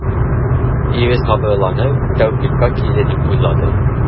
Ире сабырланыр, тәүфыйкка килер дип уйлады.